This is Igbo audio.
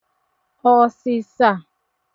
ọ̀sị̀sà